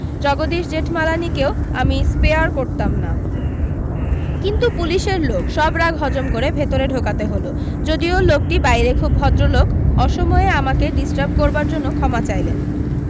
জগদীশ জেঠমালানিকেও আমি স্পেয়ার করতাম না কিন্তু পুলিশের লোক সব রাগ হজম করে ভিতরে ঢোকাতে হলো যদিও লোকটি বাইরে খুব ভদ্রলোক অসময়ে আমাকে ডিসটার্ব করবার জন্য ক্ষমা চাইলেন